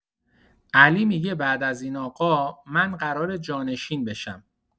علی می‌گه بعد از این آقا، من قراره جانشین بشم.